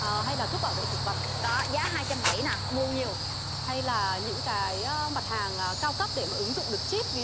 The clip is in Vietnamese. hay là thuốc bảo vệ thực vật đó giá hai trăm bảy mà họ mua nhiều đây là những cái mặt hàng cao cấp để ứng dụng được chết ví